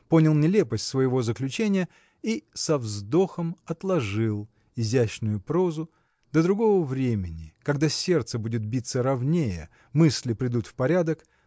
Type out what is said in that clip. понял нелепость своего заключения и со вздохом отложил изящную прозу до другого времени когда сердце будет биться ровнее мысли придут в порядок